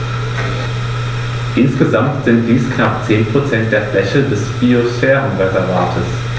Insgesamt sind dies knapp 10 % der Fläche des Biosphärenreservates.